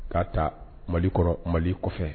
Ka taa mali kɔrɔ mali kɔfɛ